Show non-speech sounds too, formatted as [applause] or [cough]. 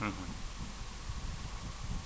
[hesitation] [hesitation]